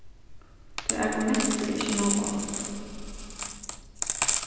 tí argumentið er ikki nóg gott